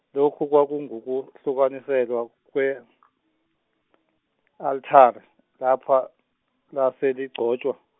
lokho kwakunguku hlukaniselwa kwe altare lapho lase ligcotshwa.